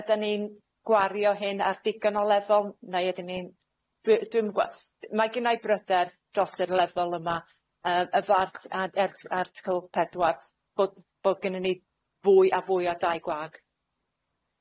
Ydan ni'n gwario hyn ar digon o lefel neu ydyn ni'n dwi- dwi'm gwa- mae gynna i bryder dros y'r lefel yma yy yfarth a- er t- article pedwar bod bod gynnon ni fwy a fwy a dai gwag.